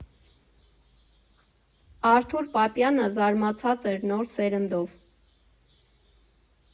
Արթուր Պապյանը զարմացած էր նոր սերնդով։